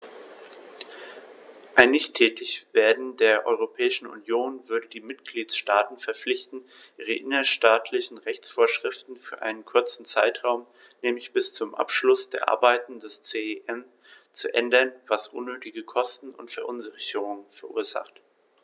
Ein Nichttätigwerden der Europäischen Union würde die Mitgliedstaten verpflichten, ihre innerstaatlichen Rechtsvorschriften für einen kurzen Zeitraum, nämlich bis zum Abschluss der Arbeiten des CEN, zu ändern, was unnötige Kosten und Verunsicherungen verursacht.